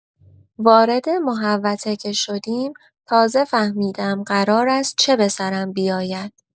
وارد محوطه که شدیم تازه فهمیدم قرار است چه به سرم بیاید.